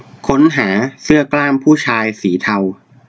ค้นหาเสื้อกล้ามผู้ชายสีเทา